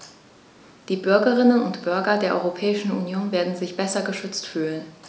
Die Bürgerinnen und Bürger der Europäischen Union werden sich besser geschützt fühlen.